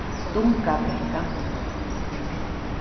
dungabrekka